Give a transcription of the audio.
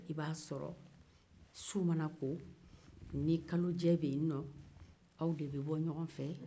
i b'a sɔrɔ su mana ko ni kalojɛ bɛ yen nɔ aw de bɛ bɔ ɲɔgɔn fɛ